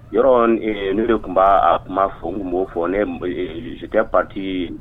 Yɔrɔ ne de tun b'a kuma fɔ, n tun b'a fɔ j'étais parti yen